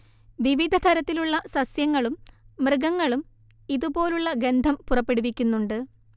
വിവിധതരത്തിലുള്ള സസ്യങ്ങളും മൃഗങ്ങളും ഇതു പോലുള്ള ഗന്ധം പുറപ്പെടുവിക്കുന്നുണ്ട്